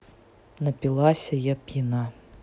напилася я пьяна